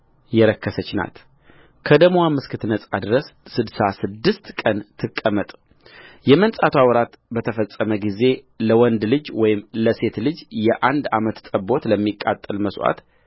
የረከሰች ናት ከደምዋም እስክትነጻ ድረስ ስድሳ ስድስት ቀን ትቀመጥየመንጻትዋ ወራትም በተፈጸመ ጊዜ ለወንድ ልጅ ወይም ለሴት ልጅ የአንድ ዓመት ጠቦት ለሚቃጠል መሥዋዕት